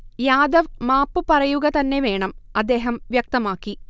യാദവ് മാപ്പ് പറയുക തന്നെ വേണം, അ്ദദേഹം വ്യക്തമാക്കി